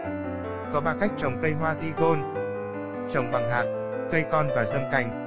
có cách trồng cây hoa trồng bằng hạt cây con và giâm cành